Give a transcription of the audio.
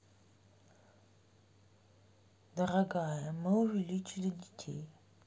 дорогая мы увеличили детей